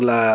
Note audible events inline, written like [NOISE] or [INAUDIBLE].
[HESITATION] [HESITATION]